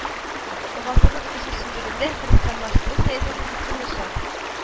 Гасырның икенче чирегендә христианлаштыру сәясәте кискенләшә